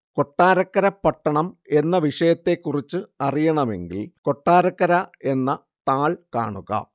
കൊട്ടാരക്കര പട്ടണം എന്ന വിഷയത്തെക്കുറിച്ച് അറിയണമെങ്കിൽ കൊട്ടാരക്കര എന്ന താൾ കാണുക